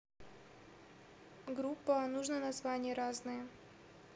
gruppa нужно название разные